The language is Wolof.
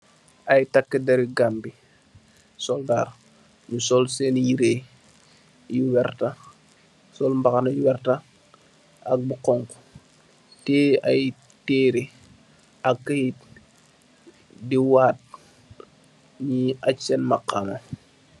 Ay taka deri Gambie soldar nyu sol sen yereh yu wertah sol mbahana yu werta ak bu xonxa tiyeh ay tereh ak keyt di waat nyi agg sen mbahana.